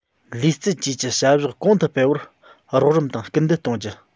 ལུས རྩལ བཅས ཀྱི བྱ བཞག གོང ཏུ སྤེལ བར རོགས རམ དང སྐུལ འདེད གཏོང རྒྱུ